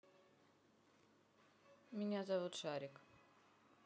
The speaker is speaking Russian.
меня зовут шарик